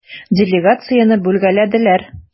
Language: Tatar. Делегацияне бүлгәләделәр.